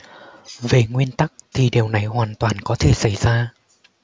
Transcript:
về nguyên tắc thì điều này hoàn toàn có thể xảy ra